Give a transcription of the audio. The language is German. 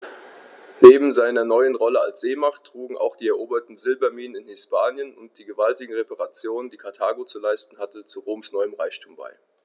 Neben seiner neuen Rolle als Seemacht trugen auch die eroberten Silberminen in Hispanien und die gewaltigen Reparationen, die Karthago zu leisten hatte, zu Roms neuem Reichtum bei.